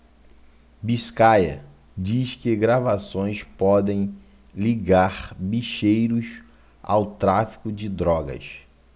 biscaia diz que gravações podem ligar bicheiros ao tráfico de drogas